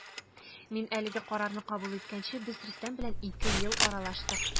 Мин әлеге карарны кабул иткәнче без Рөстәм белән ике ел аралаштык.